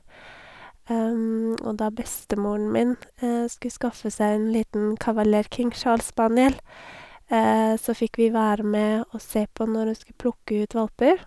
Og da bestemoren min skulle skaffe seg en liten Cavalier King Charles Spaniel så fikk vi være med å se på når hun skulle plukke ut valper.